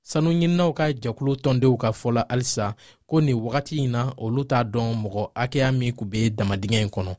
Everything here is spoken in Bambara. sanuɲininaw ka jɛkulu tɔndenw ka fɔ la halisa ko nin wagati in na olu t'a dɔn mɔgɔ hakɛya min tun bɛ damandingɛ in kɔnɔ